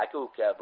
aka uka